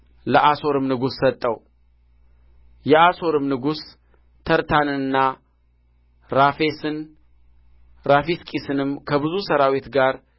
ለአሦርም ንጉሥ ሰጠው የአሦርም ንጉሥ ተርታንንና ራፌስን ራፋስቂስንም ከብዙ ሠራዊት ጋር